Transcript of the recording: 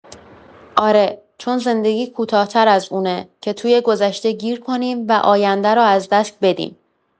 آره، چون زندگی کوتاه‌تر از اونه که توی گذشته گیر کنیم و آینده رو از دست بدیم.